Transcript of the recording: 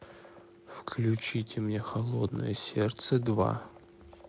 включите мне холодное сердце два